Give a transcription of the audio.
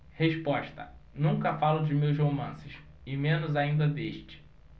resposta nunca falo de meus romances e menos ainda deste